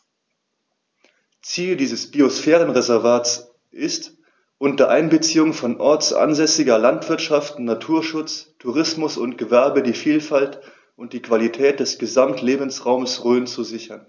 Ziel dieses Biosphärenreservates ist, unter Einbeziehung von ortsansässiger Landwirtschaft, Naturschutz, Tourismus und Gewerbe die Vielfalt und die Qualität des Gesamtlebensraumes Rhön zu sichern.